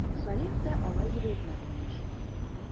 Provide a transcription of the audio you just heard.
Салих та алай дип әйтмәде, минемчә...